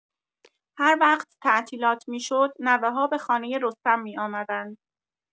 هر وقت تعطیلات می‌شد، نوه‌ها به خانۀ رستم می‌آمدند.